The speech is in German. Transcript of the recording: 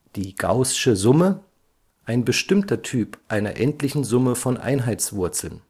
die gaußsche Summe, ein bestimmter Typ einer endlichen Summe von Einheitswurzeln